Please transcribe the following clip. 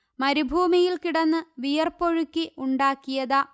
മരുഭുമിയിൽ കിടന്ന്വിയർപ്പൊഴുക്കി ഉണ്ടാക്കിയതാ